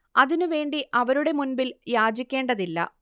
അതിനു വേണ്ടി അവരുടെ മുമ്പിൽ യാചിക്കേണ്ടതില്ല